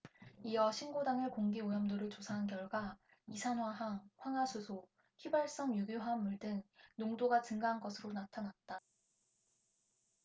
이어 신고 당일 공기오염도를 조사한 결과 이산화황 황화수소 휘발성유기화합물 등 농도가 증가한 것으로 나타났다